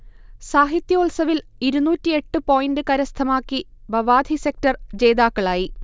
സാഹിത്യോല്സവിൽ ഇരുന്നൂറ്റി എട്ട് പോയിന്റ് കരസ്ഥമാക്കി ബവാധി സെക്ടർ ജേതാക്കളായി